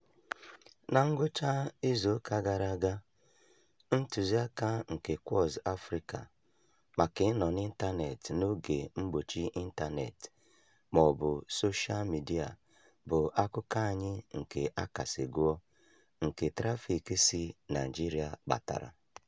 Na ngwụcha izu ụka gara aga, ntụziaka nke Quartz Africa maka ịnọ n'ịntaneetị n'oge mgbochi ịntaneetị ma ọ bụ soshaa midịa bụ akụkọ anyị nke a kasị gụọ, nke trafiiki si Naịjirịa kpatara.